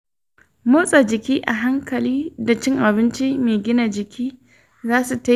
motsa jiki a hankali da cin abinci mai gina jiki za su taimaka wajen rage kiba.